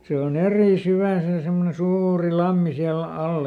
se on eri syvä se semmoinen suuri lampi siellä alla